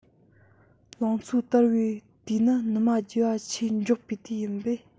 ལང ཚོའི དར བའི དུས ནི ནུ མ རྒྱས པ ཆེས མགྱོགས པའི དུས ཡིན པས